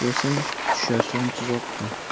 bo'lsang tusharsan tuzoqqa